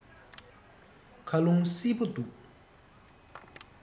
ཁ རླུང བསིལ པོ འདུག